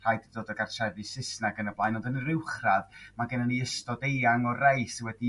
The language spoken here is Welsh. rhai 'di dod o gartrefi Susnag yn y blaen ond yn yr uwchradd ma' gyno ni ystod eang o'r rei su wedi